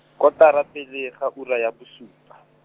kotara pele ga ura ya bo supa.